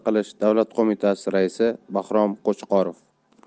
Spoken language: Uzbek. qilish davlat qo'mitasi raisi bahrom qo'chqorov